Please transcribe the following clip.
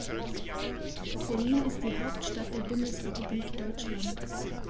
Berlin ist die Hauptstadt der Bundesrepublik Deutschland.